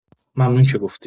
ممنون که گفتی